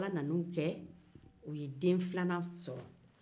u nana den filanan sɔrɔ